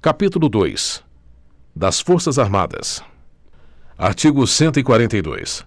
capítulo dois das forças armadas artigo cento e quarenta e dois